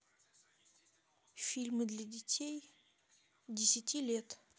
фильмы для детей десяти лет